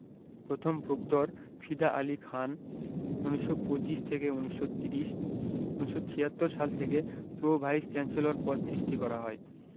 প্রথম প্রক্টর ফিদা আলী খান ১৯২৫ ১৯৩০ ১৯৭৬ সাল থেকে প্রো ভাইস চ্যান্সেলর পদ সৃষ্টি করা হয়